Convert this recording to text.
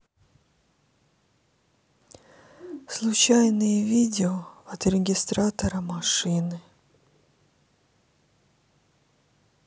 случайные видео от регистратора машины